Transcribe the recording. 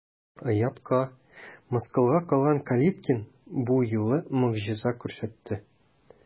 Оятка, мыскылга калган Калиткин бу юлы могҗиза күрсәтте.